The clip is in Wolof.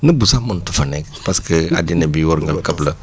nëbb sax mënatu fa nekk parce que àddina bi wërngal këpp la